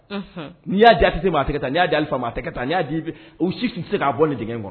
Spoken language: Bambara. N'i y'a jate se maa tɛ n'a jaabili faa ma taa n y'a di u sisi tɛ se k' bɔ nin d kuwa